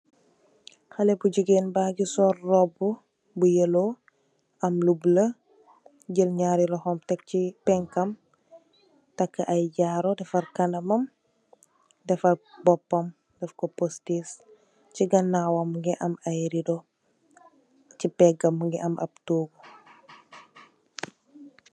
Haleh bu jegain bage sol roubu bu yelow am lu bulo jel nyari lohom tek se penkam take aye jaaru defarr kanamam defarr bopam def ku pufftes se ganawam muge am aye redou se pegam muge am ab toogu.